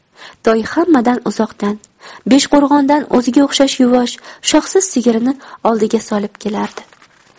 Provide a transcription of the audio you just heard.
toy hammadan uzoqdan beshqo'rg'ondan o'ziga o'xshash yuvosh shoxsiz sigirini oldiga solib kelardi